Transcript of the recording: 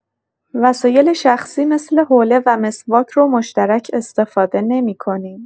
وسایل شخصی مثل حوله و مسواک رو مشترک استفاده نمی‌کنیم.